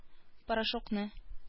Порошокны